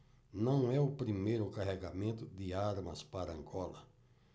não é o primeiro carregamento de armas para angola